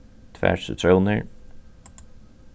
tvær sitrónir